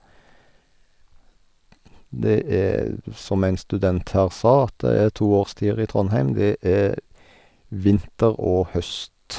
Det er som en student her sa, at det er to årstider i Trondheim, det er vinter og høst.